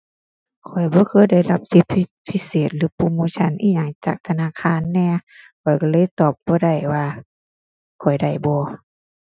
ข้อยบ่เคยได้รับสิทธิพิเศษหรือโปรโมชันอิหยังจากธนาคารแหน่ ข้อยก็เลยตอบบ่ได้ว่าข้อยได้บ่